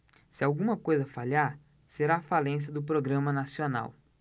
se alguma coisa falhar será a falência do programa nacional